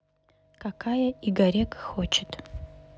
какая игорек хочет